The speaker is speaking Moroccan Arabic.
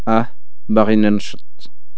اه باغي ننشط